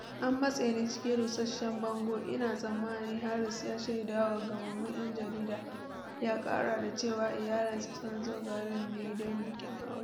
An matse ni cikin rusasshen bango, ina tsammanin, "Haris ya shaidawa Gamammun yan Jarida, ya kara da cewa iyalinsa sun zo garin ne don bikin aure.